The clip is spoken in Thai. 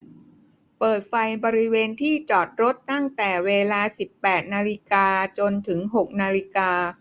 เปิดไฟบริเวณที่จอดรถตั้งแต่เวลาสิบแปดนาฬิกาจนถึงหกนาฬิกา